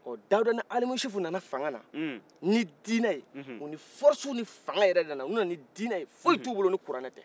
hon dawuda nin alimusufu nana fangannan ni dinɛ ye u ni force ni fangan yɛrɛ yɛrɛ de nana u nana nin dinɛ foyi t'u bolo nin kuranɛ tɛ